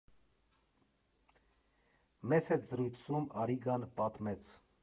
Մեզ հետ զրույցում Արիգան պատմեց.